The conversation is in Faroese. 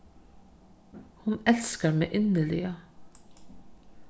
hon elskar meg inniliga